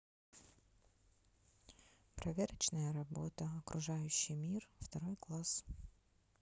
проверочная работа окружающий мир второй класс